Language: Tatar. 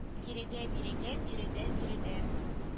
Бирегә бирегә биредә биредә